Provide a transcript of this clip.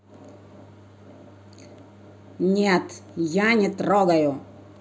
нет я не трогаю